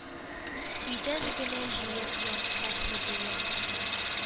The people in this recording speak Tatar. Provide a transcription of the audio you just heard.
Өйдән генә җыеп ятасы булыр”,– ди.